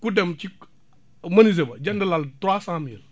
ku de ci menuisier ba jënd lal trois cent mille